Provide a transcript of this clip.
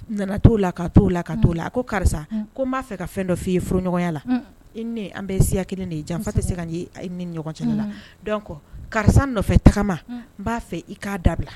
A nana t'o la ka t'o la, ka t'o la, ko karisa, n b'a fɛ ka fɛn dɔ f'' i ye foroɲɔgɔnya la, i ni ne, an bɛ siya kelen de ye, janfa tɛ se ka ye e ni ne ni ɲɔgɔn cɛ la, ko donc karisa nɔfɛ tagama n b'a fɛ i k'a dabila